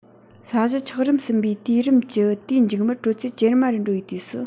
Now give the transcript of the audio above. ས གཞི ཆགས རིམ གསུམ པའི དུས རིམ གྱི དུས མཇུག མར དྲོད ཚད ཇེ དམའ རུ འགྲོ བའི དུས སུ